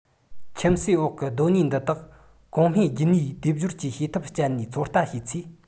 ཁྱིམ གསོས འོག གི གདོད ནུས འདི དག གོང སྨྲས རྒྱུད གཉིས སྡེབ སྦྱོར གྱི བྱེད ཐབས སྤྱད ནས ཚོད ལྟ བྱས ཚེ